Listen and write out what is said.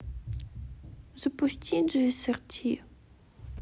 запусти джи эс эр ти